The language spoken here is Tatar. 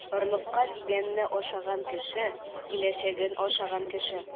Орлыкка дигәнне ашаган кеше - киләчәген ашаган кеше.